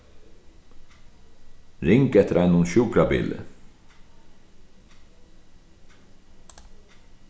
ring eftir einum sjúkrabili